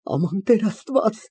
Աման, Տեր Աստված։